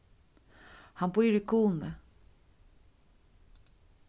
hann býr í kunoy